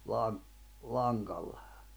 - langalla